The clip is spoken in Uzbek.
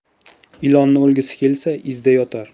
ilonning o'lgisi kelsa izda yotar